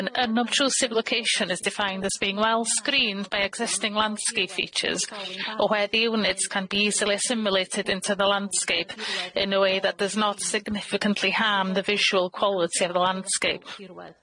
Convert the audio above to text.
An unobtrusive location is defined as being well-screened by existing landscape features, or where the units can be easily assimilated into the landscape in a way that does not significantly harm the visual quality of the landscape.